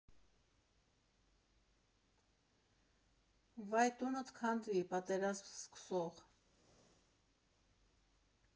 «Վայ, տունդ քանդվի, պատերազմ սկսող»։